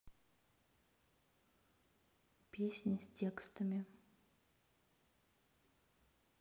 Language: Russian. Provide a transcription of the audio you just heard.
песни с текстами